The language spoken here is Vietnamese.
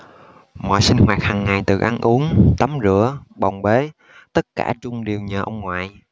mọi sinh hoạt hàng ngày từ ăn uống tắm rửa bồng bế tất cả trung đều nhờ ông ngoại